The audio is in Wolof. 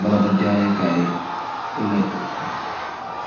bahrabi jaayeh kaii lekue la.